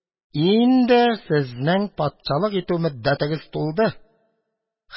Инде сезнең патшалык итү мөддәтегез тулды,